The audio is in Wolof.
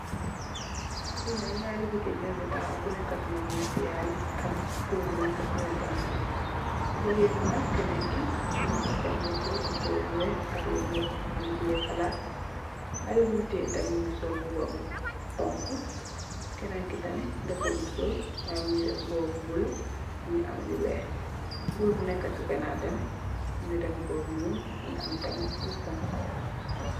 Li nak naari jigéen nyo fi tahaw, Ku nekka ci num mungi tè haley ak góor bu nekka senn ganaaw. Jigéen bi nak kenen mungi def musóor, musóor bu weeh ak lu ñuul mungi tè palaat, Haley bum tè tamit mungi sol mbuba honku. Kenen ki tamit defut musóor why mungi def mbuba bu bulo mungi am lu weeh. Gòor bu nekka ci ganaaw tamit mungi def mbuba bu ñuul mungi am tamit lu honku.